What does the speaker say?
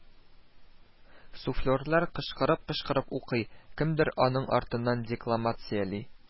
Суфлер кычкырып-кычкырып укый, кемдер аның артыннан декламацияли